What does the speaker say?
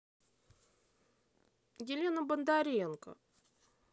елена бондаренко